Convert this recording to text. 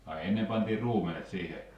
ai ennen pantiin ruumenet siihen